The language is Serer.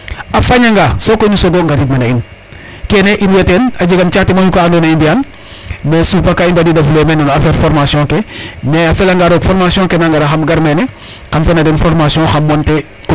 A fañanga sokoy nu soog o ngariid me na in kene i inwaa teen .A jega caaten mayu ka andoona yee i mbi'an mais Supa ka i mbadidafulee meen no affaire formation ke mais a fela nga roog formation ke na ngara xam gar mene xam fiya na den formation xam monter comité nene.